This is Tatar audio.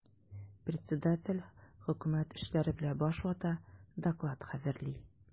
Председатель хөкүмәт эшләре белән баш вата, доклад хәзерли.